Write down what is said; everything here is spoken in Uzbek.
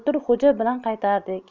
bultur xo'ja bilan qaytardik